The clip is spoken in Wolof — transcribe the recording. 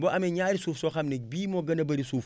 boo amee ñaari suuf soo xam ne bii moo gën a bëri suuf